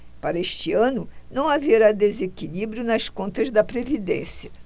para este ano não haverá desequilíbrio nas contas da previdência